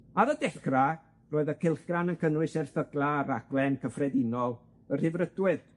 Ar y dechra, roedd y cylchgrawn yn cynnwys erthygla a raglen cyffredinol y Rhyddfrydwyr.